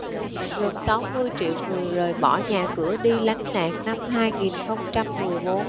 gần sáu mươi triệu người rời bỏ nhà cửa đi lánh nạn năm hai nghìn không trăm mười bốn